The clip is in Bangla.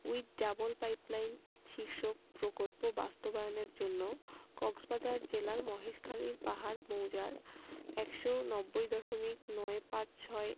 উইথ ডাবল পাইপলাইন শীর্ষক প্রকল্প বাস্তবায়নের জন্য কক্সবাজার জেলার মহেশখালীর পাহাড় মৌজার ১৯০ দশমিক নয় পাঁচ ছয়